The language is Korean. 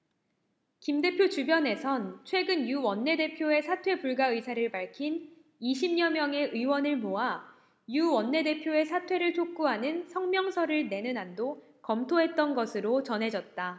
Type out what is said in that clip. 김 대표 주변에선 최근 유 원내대표의 사퇴 불가 의사를 밝힌 이십 여 명의 의원을 모아 유 원내대표의 사퇴를 촉구하는 성명서를 내는 안도 검토했던 것으로 전해졌다